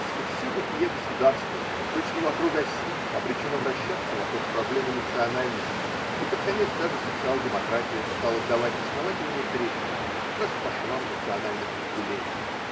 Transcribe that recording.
что все бытие государства, точно вокруг оси, обречено вращаться вокруг проблемы национальностей, и под конец даже социал-демократия стала давать основательные трещины как раз по швам национальных разделений.